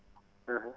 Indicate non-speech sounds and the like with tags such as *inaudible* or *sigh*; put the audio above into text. *hesitation* *hesitation*